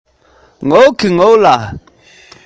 ཁོ ཚོ ཡང ངའི ཕྱོགས སུ ཕྱི མིག